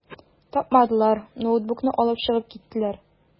Тапмадылар, ноутбукны алып чыгып киттеләр.